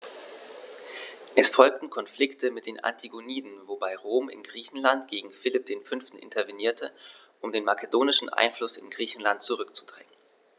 Es folgten Konflikte mit den Antigoniden, wobei Rom in Griechenland gegen Philipp V. intervenierte, um den makedonischen Einfluss in Griechenland zurückzudrängen.